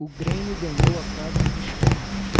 o grêmio ganhou a quadra de esportes